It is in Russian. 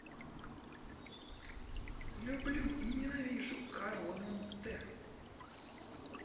люблю и ненавижу карла монте